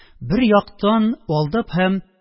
Бер яктан, алдап һәм